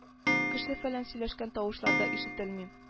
Кеше-фәлән сөйләшкән тавышлар да ишетелми